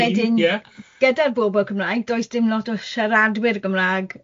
wedyn... Ie... gyda'r bobol Cymraeg, does dim lot o siaradwyr Gymraeg